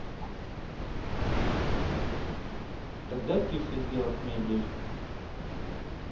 тогда тише сделать мебель